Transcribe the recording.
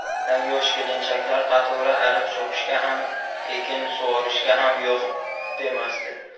anovi yosh kelinchaklar qatori ariq chopishga ham ekin sug'orishga ham yo'q demasdi